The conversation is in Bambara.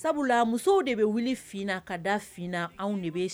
Sabula musow de bɛ wuli fna ka da fina anw de